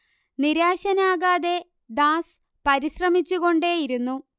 നിരാശനാകാതെ Das പരിശ്രമിച്ചുകൊണ്ടേയിരുന്നു